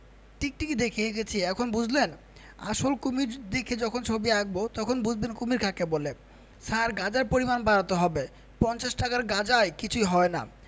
টিকটিকি দেখে এঁকেছি এখন বুঝলেন আসল কমীর দেখে যখন ছবি আঁকব তখন বুঝবেন কুমীর কাকে বলে স্যার গাঁজার পরিমাণ বাড়াতে হবে পঞ্চাশ টাকার গাজায় কিছুই হয় না